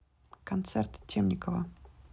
концерт темникова